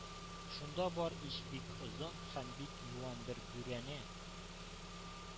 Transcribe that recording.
Шунда бар ич бик озын һәм бик юан бер бүрәнә.